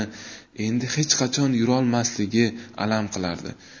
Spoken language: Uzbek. endi hech qachon yurolmasligi alam qilardi